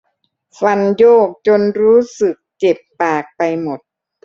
ฟันโยกจนรู้สึกเจ็บปากไปหมด